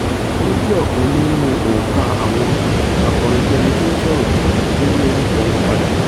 Ó jẹ́ ọ̀kan nínú òǹka àwọn akọrinbíẹnití-ńsọ̀rọ̀ tó yí orúkọ wọn padà.